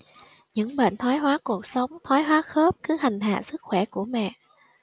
những bệnh thoái hóa cột sống thoái hóa khớp cứ hành hạ sức khỏe của mẹ